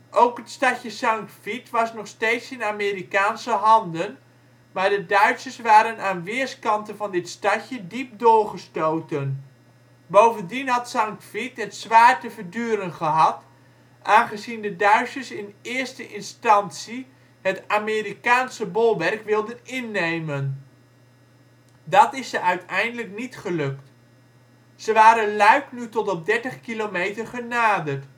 Ook het stadje Sankt Vith was nog steeds in Amerikaanse handen, maar de Duitsers waren aan weerskanten van dit stadje diep doorgestoten. Bovendien had Sankt Vith het zwaar te verduren gehad, aangezien de Duitsers in eerste instantie het Amerikaanse bolwerk wilden innemen. Dat is ze uiteindelijk niet gelukt. Ze waren Luik nu tot op dertig kilometer genaderd